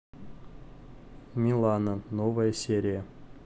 милана новая серия